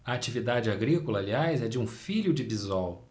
a atividade agrícola aliás é de um filho de bisol